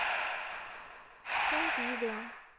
завидую